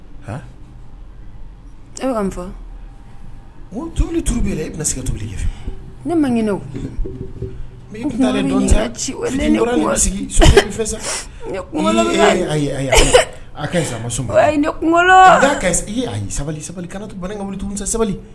E bɛ n faa tubili tubi e tɛna se ka tobili kɛ ne mangina ci sigi sa a e sabali sabali ka wuli sabali